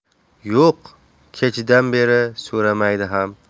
yo'q kechadan beri so'ramaydi ham